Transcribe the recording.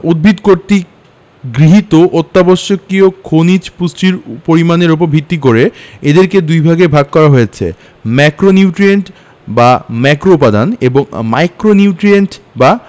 উদ্ভিদ কর্তৃক গৃহীত অত্যাবশ্যকীয় খনিজ পুষ্টির পরিমাণের উপর ভিত্তি করে এদেরকে দুইভাগে ভাগ করা হয়েছে ম্যাক্রোনিউট্রিয়েন্ট বা ম্যাক্রোউপাদান এবং মাইক্রোনিউট্রিয়েন্ট বা